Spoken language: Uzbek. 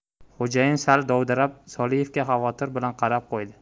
xo'jayin sal dovdirab solievga xavotir bilan qarab qo'ydi